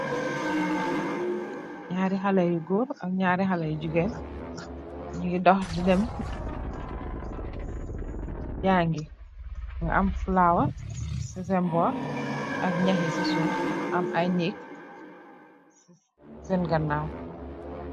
Nyarri khaleh yu gorr ak nyarri khaleh yu gigeen, nyunge dukh di dem jange . munge am flower si sen borr ak nayakh yi suff am aye neek sen ganaw